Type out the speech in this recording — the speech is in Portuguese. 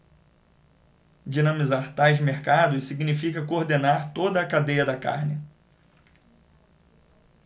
dinamizar tais mercados significa coordenar toda a cadeia da carne